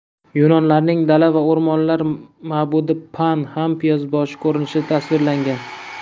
yunonlarning dala va o'rmonlar ma'budi pan ham piyozboshi ko'rinishida tasvirlangan